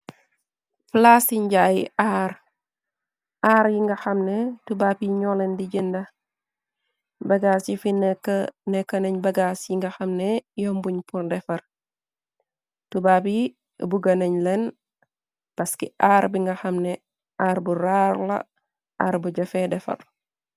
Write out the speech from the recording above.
Palaasinjaaye aar aar yi nga xamne tubab yi ñoo leen di jënda bagaas yi fi nekko nañ bagaas yi nga xam ne yombuñ pur defar tubab yi bu ga nañ leen baski ar bi nga xam ne aar bu raarla ar bu jafe defar.